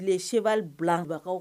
Tile se bilabagakaw